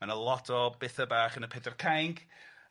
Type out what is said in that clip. Ma' 'na lot o betha bach yn y pedair cainc.